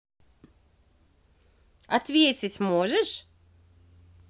ответить можешь